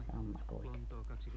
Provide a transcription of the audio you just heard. sammakoitakin